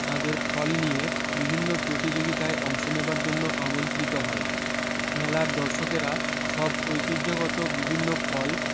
তাদের ফল নিয়ে বিভিন্ন প্রতিযোগিতায় অংশ নেবার জন্য আমন্ত্রিত হয় মেলার দর্শকেরা সব ঐতিহ্যগত বিভিন্ন ফল